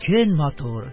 Көн матур.